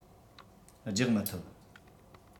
རྒྱག མི ཐུབ